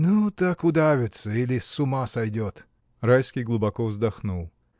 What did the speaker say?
— Ну так удавится или с ума сойдет. Райский глубоко вздохнул.